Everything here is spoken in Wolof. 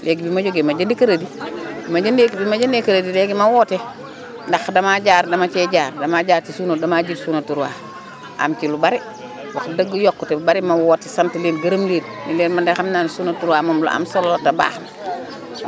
léegi bi ma jógee ma jënd crédit bi ma jëndee bi ma jëndee crédit léegi ma woote ndax damaa jaar dama cee jaar dama jaar ci suuna dama ji suuna 3 am ci lu bari wax dëgg yokkute bu bari ma woote sant leen gërëm leen ni leen man de xam naa ne suuna 3 moom lu am solo la te baax na